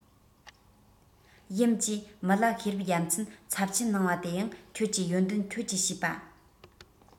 ཡུམ གྱིས མི ལ ཤེས རབ རྒྱལ མཚན ཚབས ཆེན གནང བ དེ ཡང ཁྱོད ཀྱི ཡོན ཏན ཁྱོད ཀྱི བྱས པ